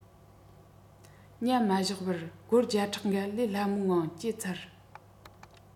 ཉམས མ བཞག པར སྒོར བརྒྱ ཕྲག འགའ ལས སླ མོའི ངང སྤྱད ཚར